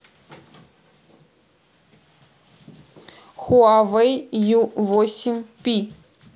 хуавей ю восемь пи